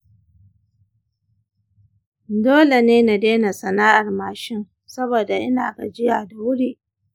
dole ne na daina sana'ar mashin saboda ina gajiya da wuri.